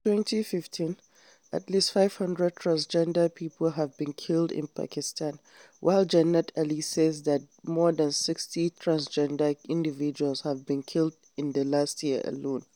Since 2015, at least 500 transgender people have been killed in Pakistan, while Jannat Ali says that more than 60 transgender individuals have been killed in the last year alone.